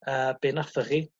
yy be' nathoch chi